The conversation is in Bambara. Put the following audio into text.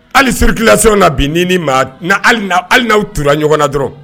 Ali siri kilasi na bi ni maa aliina aliinaaw tla ɲɔgɔn na dɔrɔn